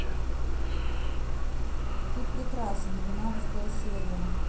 ты прекрасен двенадцатая серия